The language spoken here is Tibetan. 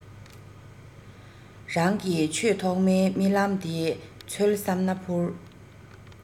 རང གི ཆེས ཐོག མའི རྨི ལམ དེ འཚོལ བསམ ན འཕུར